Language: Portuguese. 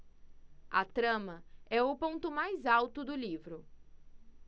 a trama é o ponto mais alto do livro